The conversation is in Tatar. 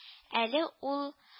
Әле ул